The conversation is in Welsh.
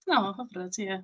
O, hyfryd ie.